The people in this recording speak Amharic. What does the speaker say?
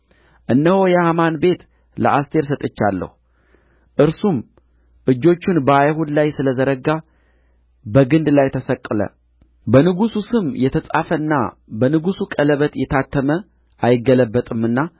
እነሆ የሐማን ቤት ለአስቴር ሰጥቻለሁ እርሱም እጆቹን በአይሁድ ላይ ስለ ዘረጋ በግንድ ላይ ተሰቀለ በንጉሡ ስም የተጻፈና በንጉሡ ቀለበት የታተመ አይገለበጥምና